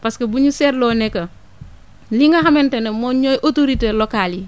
parce que bu ñu seetloo ne que li nga xamante ne moo ñooy autorités locales yi